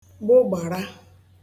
gbụgbàra